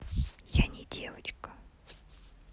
я не девочка